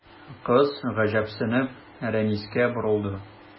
Кыз, гаҗәпсенеп, Рәнискә борылды.